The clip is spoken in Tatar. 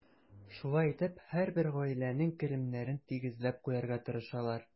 Шулай итеп, һәрбер гаиләнең керемнәрен тигезләп куярга тырышалар.